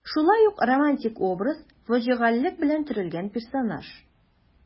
Шулай ук романтик образ, фаҗигалек белән төрелгән персонаж.